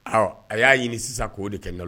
Ɔ a y'a ɲini sisan k'o de tɛ